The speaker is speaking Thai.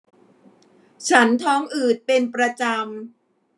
ฉันท้องอืดเป็นประจำ